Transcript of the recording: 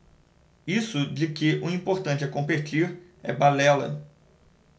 isso de que o importante é competir é balela